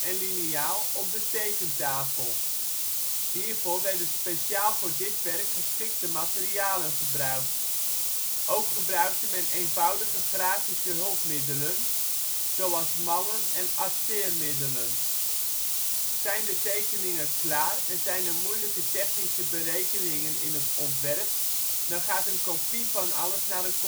liniaal op de tekentafel. Hiervoor werden speciaal voor dit werk geschikte materialen gebruikt. Ook gebruikte men eenvoudige grafische hulpmiddelen, zoals mallen en arceermiddelen. Zijn de tekeningen klaar en zijn er moeilijke technische berekeningen in het ontwerp, dan gaat een kopie van alles naar